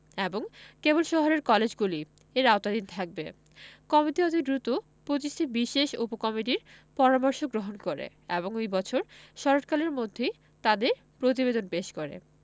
এবং কেবল শহরের কলেজগুলি এর আওতাধীন থাকবে কমিটি অতি দ্রুত ২৫টি বিশেষ উপকমিটির পরামর্শ গ্রহণ করে এবং ওই বছর শরৎকালের মধ্যেই তাদের প্রতিবেদন পেশ করে